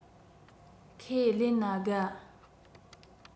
ཁས ལེན ན དགའ